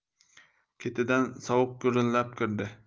ketidan sovuq g'urillab kirdi